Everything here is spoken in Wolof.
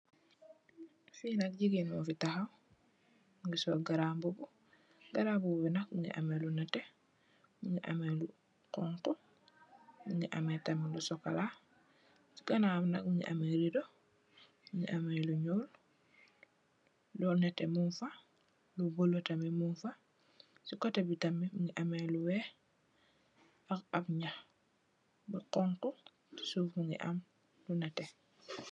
There's a lady standing. She's wearing a yellow, red and brown African dress. There's a black, yellow and blue curtain behind her. There's some white colours on the side and some red grass and yellow at the bottom.